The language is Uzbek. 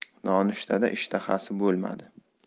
nonushtada ishtahasi bo'lmadi